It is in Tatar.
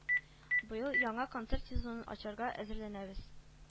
Быел яңа концерт сезонын ачарга әзерләнәбез